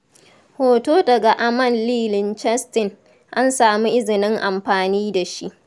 Hoto daga Amand Leigh Lichtenstein, an samu izinin amfani da shi.